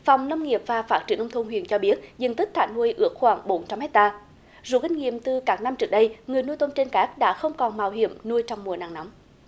phòng nông nghiệp và phát triển nông thôn huyện cho biết diện tích thả nuôi ước khoảng bốn trăm héc ta rút kinh nghiệm từ các năm trước đây người nuôi tôm trên cát đã không còn mạo hiểm nuôi trong mùa nắng nóng